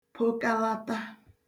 pokalata